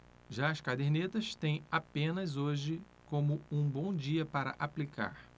já as cadernetas têm apenas hoje como um bom dia para aplicar